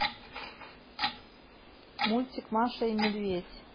мультик маша медведь